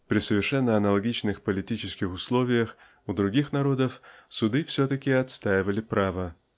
При совершенно аналогичных политических условиях у других народов суды все-таки отстаивали право.